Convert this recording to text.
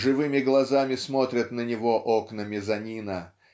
живыми глазами смотрят на него окна мезонина